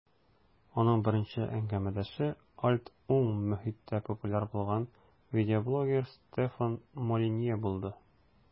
Аның беренче әңгәмәдәше "альт-уң" мохиттә популяр булган видеоблогер Стефан Молинье булды.